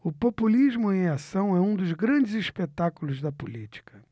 o populismo em ação é um dos grandes espetáculos da política